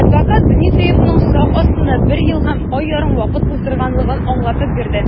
Адвокат Дмитриевның сак астында бер ел һәм ай ярым вакыт уздырганлыгын аңлатып бирде.